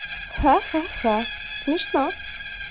ха ха ха ха ха смешно